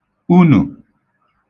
unù